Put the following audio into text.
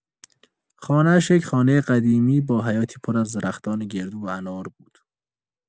خانه‌اش یک خانۀ قدیمی با حیاطی پر از درختان گردو و انار بود.